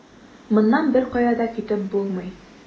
Моннан беркая да китеп булмый.